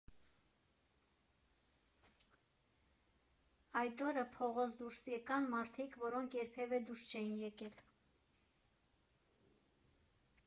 Այդ օրը փողոց դուրս եկան մարդիկ, որոնք երբևէ դուրս չէին եկել.